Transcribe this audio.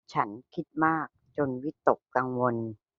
ฉันคิดมากจนวิตกกังวล